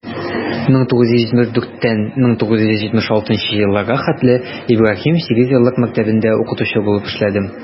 1974 - 1976 елларда ибраһим сигезьеллык мәктәбендә укытучы булып эшләдем.